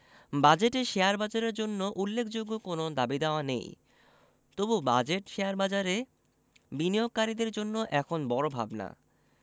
বাজেটে শেয়ারবাজারের জন্য উল্লেখযোগ্য কোনো দাবিদাওয়া নেই তবু বাজেট শেয়ারবাজারে বিনিয়োগকারীদের জন্য এখন বড় ভাবনা